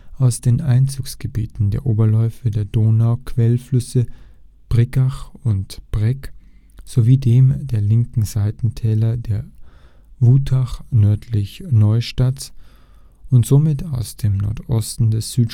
den Einzugsgebieten der Oberläufe der Donau-Quellflüsse Brigach und Breg sowie dem der linken Seitentäler der Wutach nördlich Neustadts – und somit aus dem Nordosten des Südschwarzwaldes